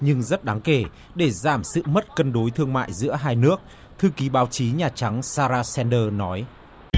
nhưng rất đáng kể để giảm sự mất cân đối thương mại giữa hai nước thư ký báo chí nhà trắng xa ra sen đơ nói